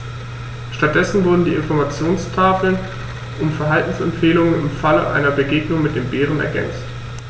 Stattdessen wurden die Informationstafeln um Verhaltensempfehlungen im Falle einer Begegnung mit dem Bären ergänzt.